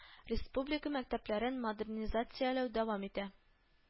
Республика мәктәпләрен модернизацияләү дәвам итә